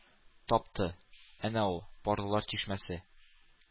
Тапты! Әнә ул – “Парлылар чишмәсе”!